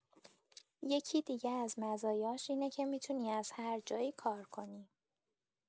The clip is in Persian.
یکی دیگه از مزایاش اینه که می‌تونی از هر جایی کار کنی.